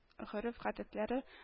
Гореф-гадәтләре